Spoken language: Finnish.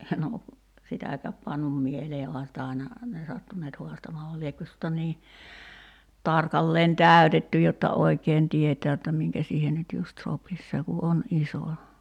en ole sitäkään pannut mieleen onhan sitä aina ne sattuneet haastamaan vaan liekö se tuota niin tarkalleen täytetty jotta oikein tietää jotta minkä siihen nyt just sopisi se kun on iso